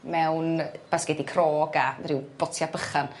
mewn basgedi crog a ryw botia' bychan